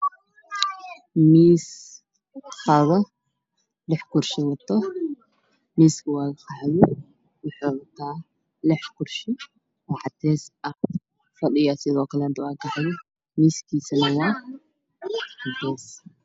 Miis oo wata lix kursi miiska clairkiisu waa caddaan iyo madow isku jiro kuraastana waa gaduud waxaana iska leh nin